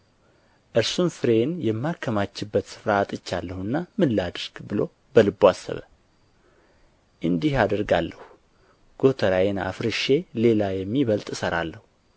እርሱም ፍሬዬን የማከማችበት ስፍራ አጥቻለሁና ምን ላድርግ ብሎ በልቡ አሰበ እንዲህ አደርጋለሁ ጐተራዬን አፍርሼ ሌላ የሚበልጥ እሠራለሁ